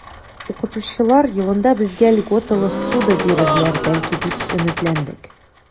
Укытучылар елында безгә льготалы ссуда бирерләр, бәлки, дип өметләндек.